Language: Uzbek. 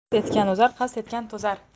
bast etgan o'zar qasd etgan to'zar